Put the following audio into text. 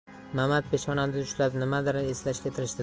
mamat peshonasini ushlab nimanidir eslashga tirishdi